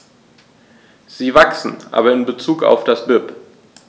Sie wachsen, aber in bezug auf das BIP.